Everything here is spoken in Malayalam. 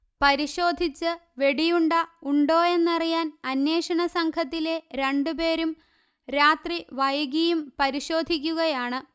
പരിശോധിച്ച് വെടിയുണ്ട ഉണ്ടോയെന്നറിയാൻ അന്വേഷണ സംഘത്തിലെ രണ്ട് പേരും രാത്രി വൈകിയും പരിശോധിക്കുകയാണ്